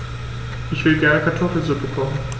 Ich will gerne Kartoffelsuppe kochen.